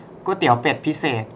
ก๋วยเตี๋ยวเป็ดพิเศษ